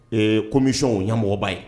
Ee komisɔn o yemɔgɔba ye